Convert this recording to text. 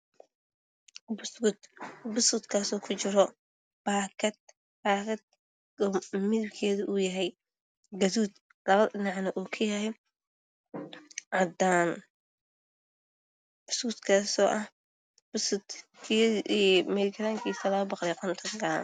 Buskud buskud kaas oo ku jiro dhalo kalarkiisu yahay cadaan